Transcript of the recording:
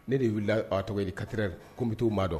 Ne de wilila, a tɔgɔ ye di quatre heures ko n bɛ taa u maa dɔn